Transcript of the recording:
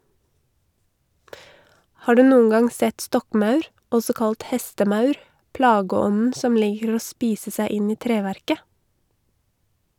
Har du noen gang sett stokkmaur, også kalt hestemaur , plageånden som liker å spise seg inn i treverket?